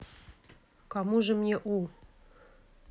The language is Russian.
кому же мне у